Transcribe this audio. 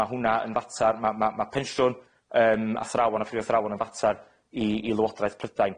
Ma' hwnna yn fater ma' ma' ma' penshiwn yym athrawon a phrifathrawon yn fater i i lywodraeth Prydain.